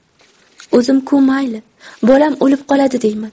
o'zim ku mayli bolam o'lib qoladi deyman